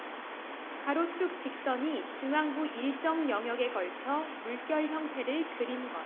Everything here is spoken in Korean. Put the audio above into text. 가로축 직선이 중앙부 일정 영역에 걸쳐 물결 형태를 그린 것